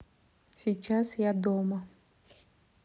сейчас я дома